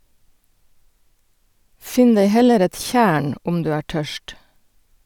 Finn deg heller et tjern om du er tørst.